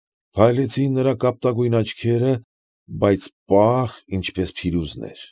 Փայլեցին նրա կապտագույն աչքերը, բայց պաղ, ինչպես փիրուզաներ։